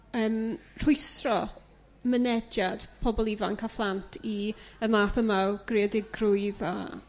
yrm rhwystro mynediad pobol ifanc â phlant i y math yma o greadigrwydd a